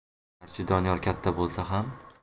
garchi doniyor katta bo'lsa xam